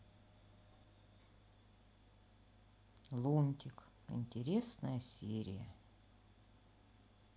лунтик интересная серия